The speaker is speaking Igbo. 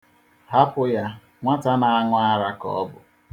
Hapụ ya, nwata na-aṅụ ara ka ọ bụ.